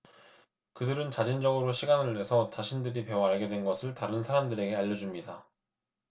그들은 자진적으로 시간을 내서 자신들이 배워 알게 된 것을 다른 사람들에게 알려 줍니다